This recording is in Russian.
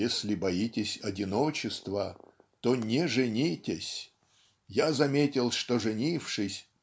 "если боитесь одиночества, то не женитесь. я заметил что женившись